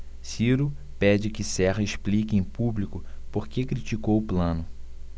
ciro pede que serra explique em público por que criticou plano